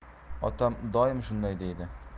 otam doim shunday deydi